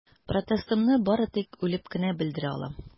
Протестымны бары тик үлеп кенә белдерә алам.